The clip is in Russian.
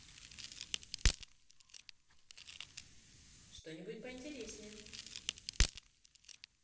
что нибудь поинтереснее